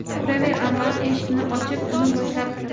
yuraver anvar eshikni ochib uni boshlab kirdi